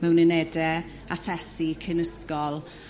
mewn unede asesu cyn ysgol